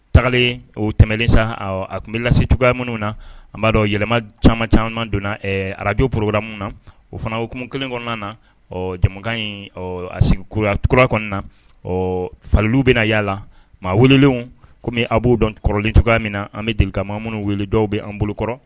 Taalen o tɛmɛnensa a tun bɛ lasesi cogoya minnu na an b'a dɔn yɛlɛma caman caman donna arabuo porobara minnu na o fana okumu kelen kɔnɔna na ɔ jamanakan in a sigi kura kɔnɔna na ɔ falilu bɛna na yalala maa welelen kɔmi a b'o dɔn kɔrɔlen cogoya min na an bɛ deli ma minnu wele dɔw bɛan bolokɔrɔ